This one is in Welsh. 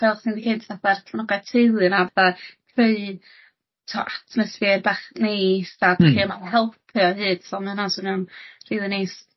fel chi newydd deud fatha cefnogaeth teulu nawr fatha rhei t'o' atmosffer bach neis 'da 'dach chi am helpu o hyd so ma' wnna swnio'n rili neis.